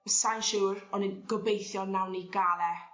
sai'n siŵr on' yn gobeithio nawn ni ga'l e